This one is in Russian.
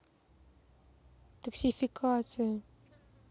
токсификация